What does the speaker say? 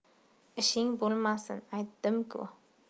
ishing bo'lmasin aytdim ku